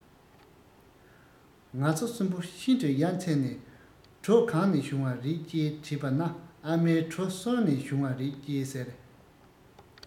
ང ཚོ གསུམ པོ ཤིན ཏུ ཡ མཚན ནས གྲོ གང ནས བྱུང བ རེད ཅེས དྲིས པ ན ཨ མས གྲོ སོན ནས བྱུང བ རེད ཅེས ཟེར